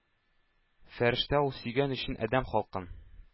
Фәрештә ул; сөйгән өчен адәм халкын,